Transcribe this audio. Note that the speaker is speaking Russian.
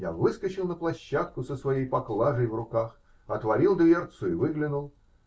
Я выскочил на площадку со своей поклажей в руках, отворил дверцу и выглянул.